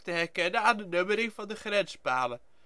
herkennen aan de nummering van de grenspalen